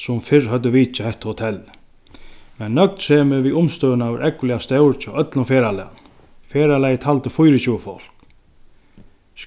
sum fyrr høvdu vitjað hetta hotellið men nøgdsemið við umstøðurnar var ógvuliga stór hjá øllum ferðalagnum ferðalagið taldi fýraogtjúgu fólk